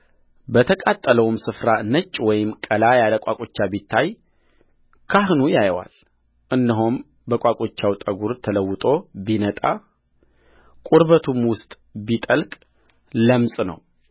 በተቃጠለውም ስፍራ ነጭ ወይም ቀላ ያለ ቋቁቻ ቢታይካህኑ ያየዋል እነሆም በቋቁቻው ጠጕሩ ተለውጦ ቢነጣ ወደ ቁርበቱም ውስጥ ቢጠልቅ ለምጽ ነው